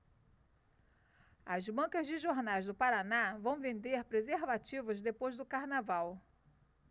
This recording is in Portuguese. as bancas de jornais do paraná vão vender preservativos depois do carnaval